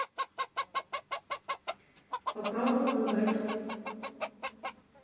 попробуй выбрать